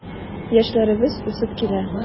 Яшьләребез үсеп килә.